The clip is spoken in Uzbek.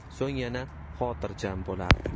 so'ng yana xotirjam bo'lardi